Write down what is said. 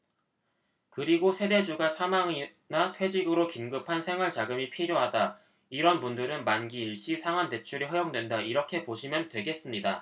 그리고 세대주가 사망이나 퇴직으로 긴급한 생활자금이 필요하다 이런 분들은 만기 일시 상환대출이 허용된다 이렇게 보시면 되겠습니다